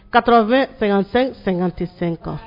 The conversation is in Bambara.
Kato bɛ sɛgɛnsen sɛgɛn tɛ sen kan